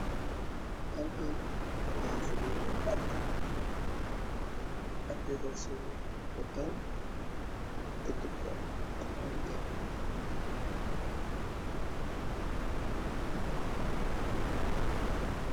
Halkan waxa fadhiyo Arday Ardey daasowataan kutubka quraanka